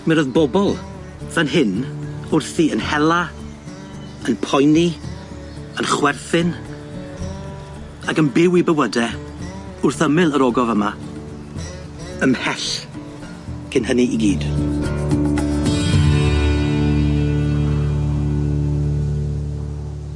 mi ro'dd bobol fan hyn wrthi yn hela, yn poeni, yn chwerthin, ac yn byw 'u bywyde wrth ymyl yr ogof yma, ymhell cyn hynny i gyd.